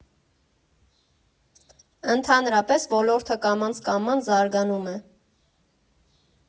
Ընդհանրապես, ոլորտը կամաց֊կամաց զարգանում է։